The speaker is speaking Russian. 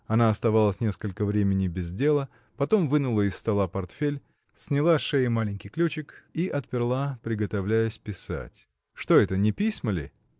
Она оставалась несколько времени без дела, потом вынула из стола портфель, сняла с шеи маленький ключик и отперла, приготовляясь писать. — Что это, не письма ли?